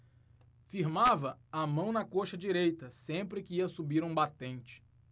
firmava a mão na coxa direita sempre que ia subir um batente